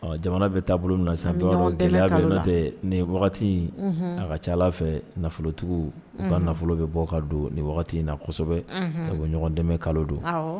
Jamana bɛ taabolo bolo na sisan ni wagati a ka ca fɛ nafolotigiw ba nafolo bɛ bɔ ka don ni wagati in na kosɛbɛ seguɲɔgɔn dɛmɛ kalo don